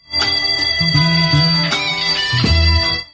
San